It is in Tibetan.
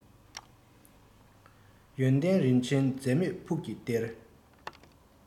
ཡོན ཏན རིན ཆེན འཛད མེད ཕུགས ཀྱི གཏེར